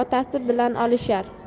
otasi bilan olishar